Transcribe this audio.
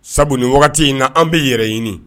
Sabu wagati in na an bɛ yɛrɛ ɲini